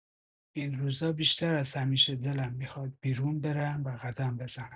این روزا بیشتر از همیشه دلم می‌خواد بیرون برم و قدم بزنم.